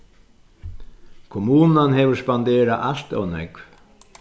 kommunan hevur spanderað alt ov nógv